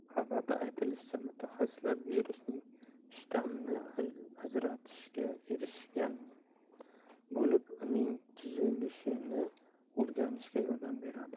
xabarda aytilishicha mutaxasisslar virusning shtammini ajratishga erishgan bo'lib bu uning tuzilishini o'rganishga yordam beradi